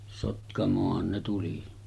Sotkamoonhan ne tuli